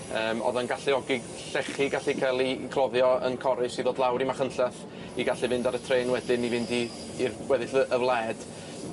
yym o'dd yn galluogi llechi gallu ca'l 'u 'u cloddio yn Corris i ddod lawr i Machynlleth i gallu fynd ar y trên wedyn i fynd i i'r weddill y y wled